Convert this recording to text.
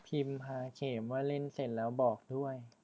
พิมหาเขมว่าเล่นเสร็จแล้วบอกด้วย